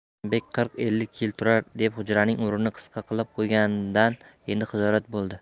qosimbek qirq ellik yil turar deb hujraning umrini qisqa qilib qo'yganidan endi xijolat bo'ldi